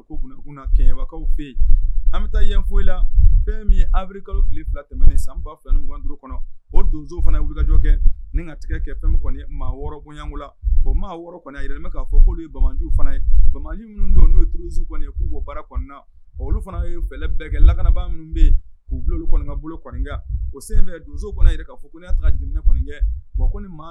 Ri kalo fila tɛmɛn san niuganuru kɔnɔ o donso fana yekajɔ kɛ nitigɛ kɛ fɛn maa wɔɔrɔgo o maa wɔɔrɔ bɛ'a fɔ'olu ye bamajuu fana ye minnu don n'o yeuruzu kɔni ye k'u bɔ baara olu fana ye fɛlɛ bɛɛ kɛ lakanabaa minnu bɛ yen k'u bolo o senfɛ donso fɔ kɔni mɔgɔ